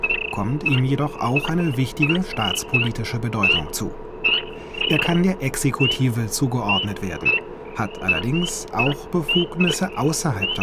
kommt ihm jedoch auch eine wichtige staatspolitische Bedeutung zu. Der Bundespräsident kann der Exekutive zugeordnet werden, er hat allerdings auch Befugnisse außerhalb